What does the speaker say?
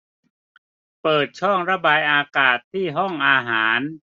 เปิดช่องระบายอากาศที่ห้องอาหาร